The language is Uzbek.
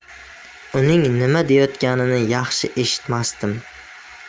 uning nima deyayotganini yaxshi eshitmasdim